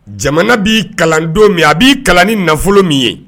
Jamana bi kalan don min a bi kalan ni nafolo min ye